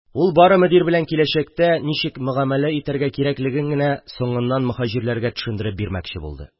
Ул бары мөдир белән киләчәктә ничек мөгамәлә итәргә кирәклеген генә соңыннан моһаҗирларга төшендереп бирмәкче булды.